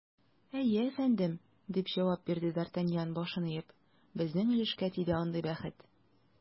Әйе, әфәндем, - дип җавап бирде д’Артаньян, башын иеп, - безнең өлешкә тиде андый бәхет.